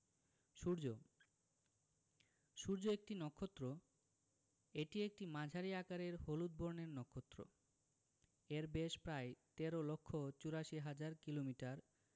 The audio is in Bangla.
সূর্যঃ সূর্য একটি নক্ষত্র এটি একটি মাঝারি আকারের হলুদ বর্ণের নক্ষত্র এর ব্যাস প্রায় ১৩ লক্ষ ৮৪ হাজার কিলোমিটার